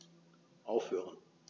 Aufhören.